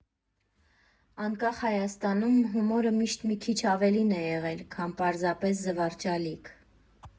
Անկախ Հայաստանում հումորը միշտ մի քիչ ավելին է եղել, քան պարզապես զվարճալիք։